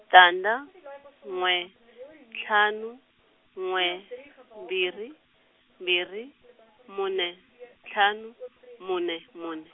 tandza, n'we, ntlhanu, n'we, mbirhi, mbirhi, mune, ntlhanu mune mune.